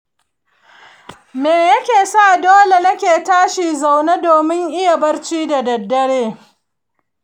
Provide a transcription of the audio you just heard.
me yake sa dole nake tashi zaune domin in iya yin barci da dare?